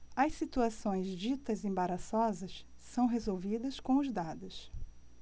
as situações ditas embaraçosas são resolvidas com os dados